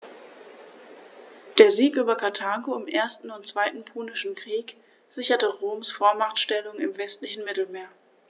Der Sieg über Karthago im 1. und 2. Punischen Krieg sicherte Roms Vormachtstellung im westlichen Mittelmeer.